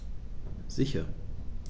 Sicher.